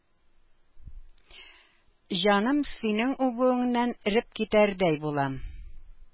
Җаным, синең үбүеңнән эреп китәрдәй булам.